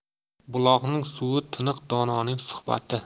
buloqning suvi tiniq dononing suhbati